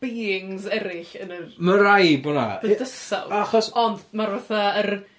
beings eraill yn yr... Ma' raid bo' 'na... bydysawd... achos... ond ma'r fatha... yr